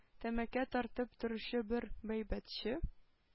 Тәмәке тартып торучы бер байбәтчә